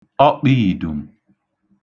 ọkpīìdùm